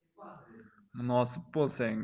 munosib bo'lsangiz